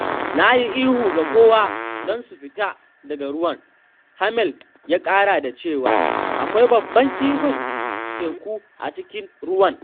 “Na yi ihu ga kowa don su fita daga ruwan. Hammel ya ƙara da cewa, ‘Akwai babban kifin teku a cikin ruwan!”